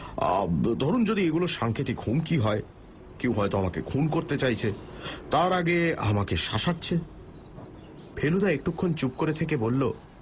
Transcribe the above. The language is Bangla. ধরুন যদি এগুলো সাংকেতিক হুমকি হয়কেউ হয়তো আমাকে খুন করতে চাইছে আর তার আগে আমাকে শাসাচ্ছে ফেলুদা একটুক্ষণ চুপ করে থেকে বলল